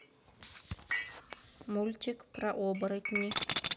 мультик про оборотней